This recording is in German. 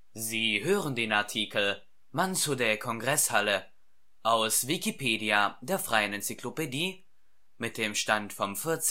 Sie hören den Artikel Mansudae-Kongresshalle, aus Wikipedia, der freien Enzyklopädie. Mit dem Stand vom Der